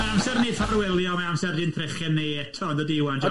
Mae amser i ni ffarwelio, mae amser i ni'n trechu ni eto yn dydi Iwan John?